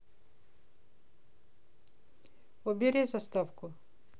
убери заставку